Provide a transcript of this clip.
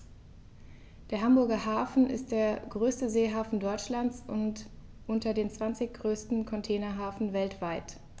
Der Hamburger Hafen ist der größte Seehafen Deutschlands und unter den zwanzig größten Containerhäfen weltweit.